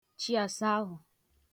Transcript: chi àsahụ̀